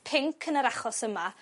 pinc yn yr achos yma